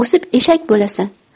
o'sib eshak bo'lasan